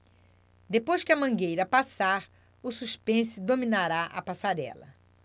depois que a mangueira passar o suspense dominará a passarela